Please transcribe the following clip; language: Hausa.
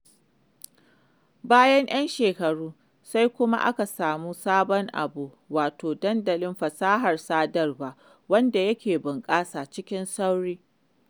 Bayan 'yan shekaru, sai kuma aka samu sabon abu, wato dandalin fasahar sadarwa, wanda yake bunƙasa cikin sauri.